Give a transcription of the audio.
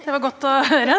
det var godt å høre.